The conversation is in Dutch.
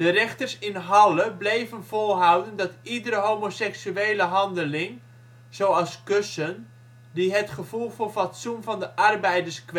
rechters in Halle bleven volhouden dat iedere homoseksuele handeling, zoals kussen, die " het gevoel voor fatsoen van de arbeiders